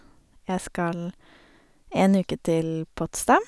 Jeg skal en uke til Potsdam.